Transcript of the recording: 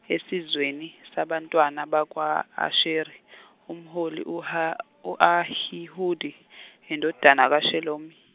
esizweni sabantwana bakwa Asheri umholi u ha- u Ahihudi indodana kaShelomi.